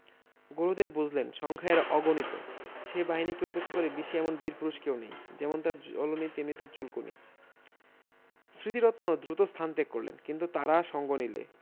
গুরুদেব বুঝলেন সংখ্যায় এরা অগণিত সে বাহিনীকে উপেক্ষা করে বিশ্বে এমন বীরপুরুষ কেউ নেই যেমন তার জ্বলুনি তেমনি তার চুলকুনি স্মৃতিরত্ন দ্রুত স্থান ত্যাগ করলেন কিন্তু তারা সঙ্গ নিলে